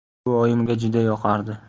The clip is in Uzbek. bu oyimga juda yoqardi